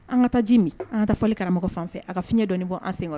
An ŋa taa ji min an ŋa taa fɔli karamɔgɔ fan fɛ a ka fiɲɛ dɔɔni bɔ an sen kɔnɔ